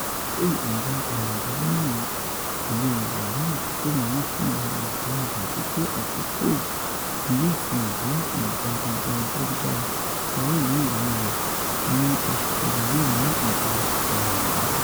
Akoko igba ẹrun gbigbona yii kole wa ni akoko miiran fun awọn oluta ounjẹ ati pe akoko ni yoo fihan boya igba oju ọjọ didara ti a o ni iriri rẹ ni oṣu kẹjọ yoo mu igba irọrun wa.’’